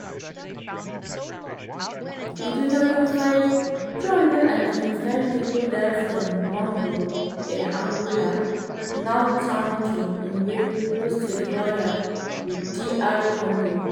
In 2005 329 people died from Marburg in Angola's northern town of Uige, close to the border with DR Congo.